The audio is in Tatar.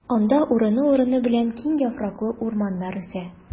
Анда урыны-урыны белән киң яфраклы урманнар үсә.